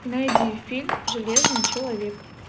найди фильмы железный человек